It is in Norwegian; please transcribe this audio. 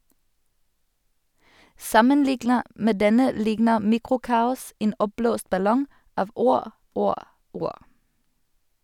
Sammenliknet med denne likner "Mikrokaos" en oppblåst ballong av ord, ord, ord.